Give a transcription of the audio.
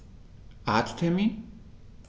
Arzttermin